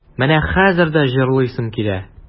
Менә хәзер дә җырлыйсым килә.